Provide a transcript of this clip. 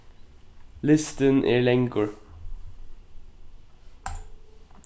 listin er langur